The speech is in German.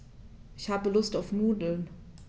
Ich habe Lust auf Nudeln.